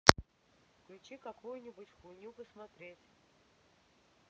включи какую нибудь хуйню посмотреть